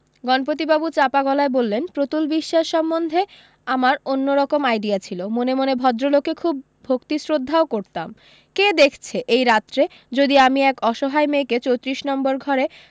গণপতিবাবু চাপা গলায় বললেন প্রতুল বিশ্বাস সম্বন্ধে আমার অন্য রকম আইডিয়া ছিল মনে মনে ভদ্রলোককে খুব ভক্তিশরদ্ধাও করতাম কে দেখছে এই রাত্রে যদি আমি এক অসহায় মেয়েকে চোত্রিশ নম্বর ঘরে